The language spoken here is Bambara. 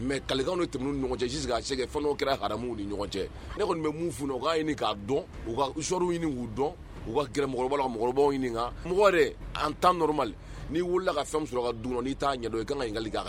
Mɛ kalilekan tɛmɛ ni ɲɔgɔn cɛ sise'se fana kɛra ni ɲɔgɔn cɛ ne kɔni bɛ mun funu u ɲini k' dɔn kasɔrow ɲini'u dɔn u ka g mɔgɔ an tanɔrɔma n'i wilila ka fɛn ka don n'i taaa ɲɛ i ka kan ka' kan